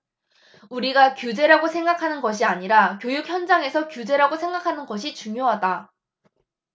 우리가 규제라고 생각하는 것이 아니라 교육 현장에서 규제라고 생각하는 것이 중요하다